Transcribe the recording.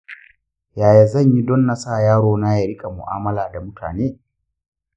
yaya zan yi don na sa yarona ya riƙa mu'amala da mutane?